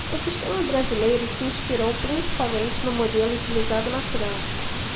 o sistema brasileiro se inspirou principalmente no modelo utilizado na frança